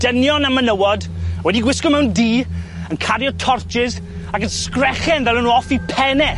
Dynion a menywod, wedi gwisgo mewn du, yn cario torches, ac yn sgrechen ddalen n'w off i penne.